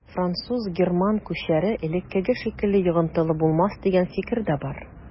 Француз-герман күчәре элеккеге шикелле йогынтылы булмас дигән фикер дә бар.